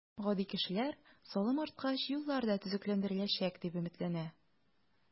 Гади кешеләр салым арткач, юллар да төзекләндереләчәк, дип өметләнә.